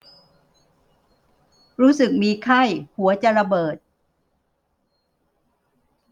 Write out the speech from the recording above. รู้สึกมีไข้หัวจะระเบิด